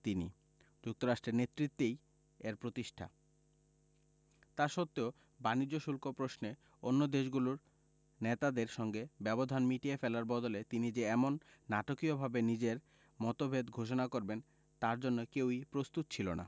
তিনি যুক্তরাষ্ট্রের নেতৃত্বেই এর প্রতিষ্ঠা তা সত্ত্বেও বাণিজ্য শুল্ক প্রশ্নে অন্য দেশগুলোর নেতাদের সঙ্গে ব্যবধান মিটিয়ে ফেলার বদলে তিনি যে এমন নাটকীয়ভাবে নিজের মতভেদ ঘোষণা করবেন তার জন্য কেউই প্রস্তুত ছিল না